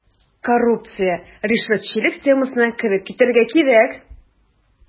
Коррупция, ришвәтчелек темасына кереп китәргә кирәк.